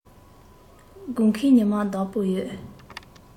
དགུན ཁའི ཉི མར བདག པོ ཡོད